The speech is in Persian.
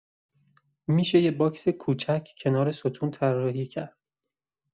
می‌شه یه باکس کوچک کنار ستون طراحی کرد.